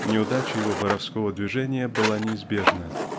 Неудача его "воровского" движения была неизбежна